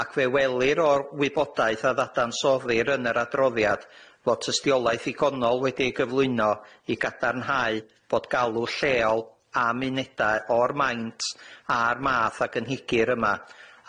Ac fe welir o'r wybodaeth a ddadansoddir yn yr adroddiad fod tystiolaeth igonol wedi'i gyflwyno i gadarnhau bod galw lleol a myneda o'r maint a'r math a gynhigir yma,